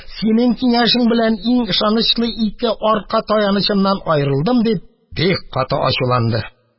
Синең киңәшең белән иң ышанычлы ике арка таянычымнан аерылдым, – дип, бик каты ачуланды.